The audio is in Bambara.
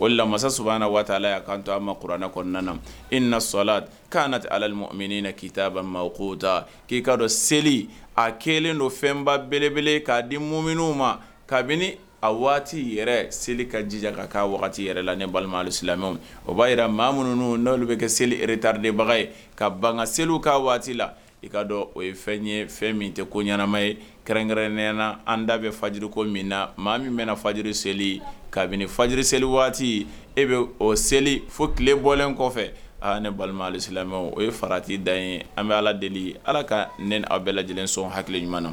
o lamasasa saba na waati a la' a kan to a ma kuranɛ kɔnɔna na i na sola k' na tɛ ala min na k'iyita kota k'i k kaa dɔn seli a kɛlen don fɛnba belebele k'a di mun minnu ma kabini a waati yɛrɛ seli ka jija ka'a waati yɛrɛ la ni balimasiw o b'a jira mɔgɔ minnuunu n' bɛ kɛ seli ere tataridenbaga ye ka ban selieli ka waati la i ka dɔn o ye fɛn ye fɛn min kɛ ko ɲanama ye kɛrɛnkɛrɛnana an da bɛ fajjiri ko min na mɔgɔ min bɛ fajjiri seli kabini faji seli waati e bɛ o seli fo tile bɔlen kɔfɛ aa ne balimamɛ o ye farati da ye an bɛ ala deli ala ka n' bɛɛ lajɛ lajɛlen sɔn hakili ɲuman na